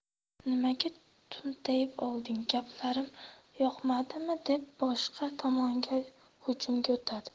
nimaga tumtayib olding gaplarim yoqmadimi deb boshqa tomonga hujumga o'tadi